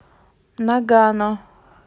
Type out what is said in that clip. нагано